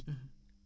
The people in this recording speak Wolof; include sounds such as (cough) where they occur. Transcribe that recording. (hesitation) (hesitation)